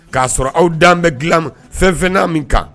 K'a sɔrɔ aw dan bɛɛ dilanma fɛn fɛnna min kan